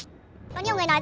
có nhiều người nói